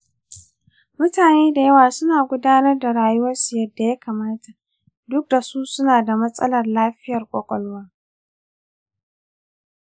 mutane da yawa suna gudanar da rayuwarsu yadda ya kamata duk da su na da matsalar lafiyar kwakwalwa.